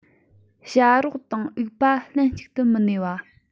བྱ རོག དང འུག པ ལྷན ཅིག ཏུ མི གནས པ